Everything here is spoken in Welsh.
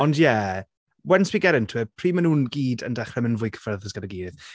Ond yeah once we get into it pryd maen nhw'n gyd yn dechrau mynd yn fwy cyfforddus gyda'i gilydd.